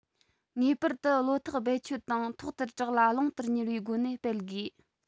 ངེས པར དུ བློ ཐག རྦད ཆོད དང ཐོག ལྟར དྲག ལ རླུང ལྟར མྱུར བའི སྒོ ནས སྤེལ དགོས